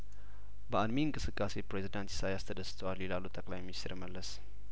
በአንሚ እንቅስቃሴ ፕሬዚዳንት ኢሳያስ ተደስተዋል ይላሉ ጠቅላይ ሚንስትር መለስ